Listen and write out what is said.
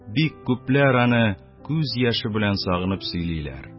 Бик күпләр аны күз яше белән сагынып сөйлиләр